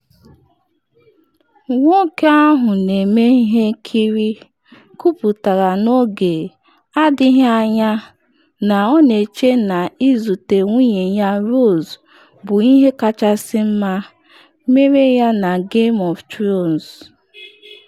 Nwoke ahụ na-eme ihe nkiri kwuputara n’oge adịghị anya na ọ na-eche na izute nwunye ya Rose bụ ihe kachasị mma mere ya na Game of Thrones.